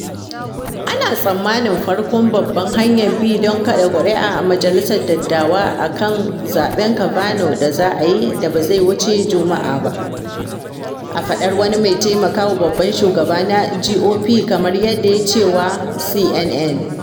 Ana tsammanin farkon babban hanyar bi don kaɗa ƙuri’a a Majalisar Dattawa a kan zaɓen Kavanaugh da za a yi da ba zai wuce Juma’a ba, a faɗar wani mai taimaka wa babban shugaba na GOP kamar yadda ya ce wa CNN.